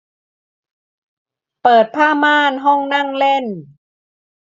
เปิดผ้าม่านห้องนั่งเล่น